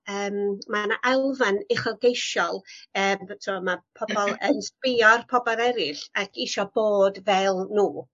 yym ma' 'na elfen uchelgeisiol yy t'o' ma' pobol yn sbïo ar pobol eryll ac isio bod fel n'w.